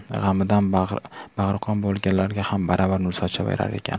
g'amidan bag'ri qon bo'lganlarga ham baravar nur sochaverar ekan